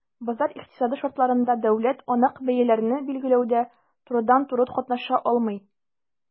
Базар икътисады шартларында дәүләт анык бәяләрне билгеләүдә турыдан-туры катнаша алмый.